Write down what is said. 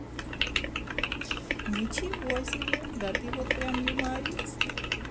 ничего себе да ты вот прям юморист